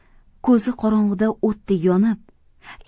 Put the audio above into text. ko'zi qorong'ida o'tdek yonib